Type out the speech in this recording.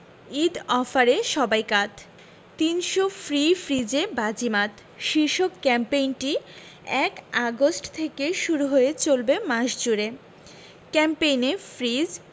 ঈদ অফারে সবাই কাত ৩০০ ফ্রি ফ্রিজে বাজিমাত শীর্ষক ক্যাম্পেইনটি ১ আগস্ট থেকে শুরু হয়ে চলবে মাস জুড়ে ক্যাম্পেইনে ফ্রিজ